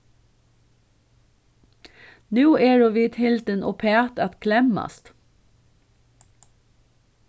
nú eru vit hildin uppat at klemmast